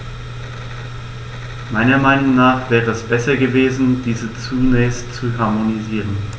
Meiner Meinung nach wäre es besser gewesen, diese zunächst zu harmonisieren.